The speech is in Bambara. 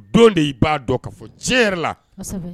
Don de' b'a dɔn ka fɔ cɛ la